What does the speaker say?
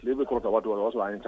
Den bɛ kɔrɔ baba sɔrɔ